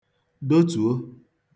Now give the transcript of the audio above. dotùo